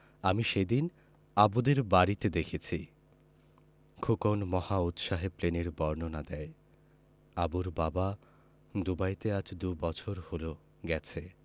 আমি সেদিন আবুদের বাড়িতে দেখেছি খোকন মহা উৎসাহে প্লেনের বর্ণনা দেয় আবুর বাবা দুবাইতে আজ দুবছর হলো গেছে